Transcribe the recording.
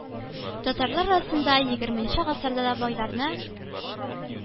Татарлар арасында егерменче гасырда да байларны,